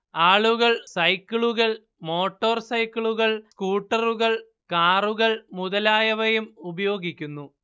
ആളുകൾ സൈക്കിളുകൾ മോട്ടോർ സൈക്കിളുകൾ സ്കൂട്ടറുകൾ കാറുകൾ മുതലായവയും ഉപയോഗിക്കുന്നു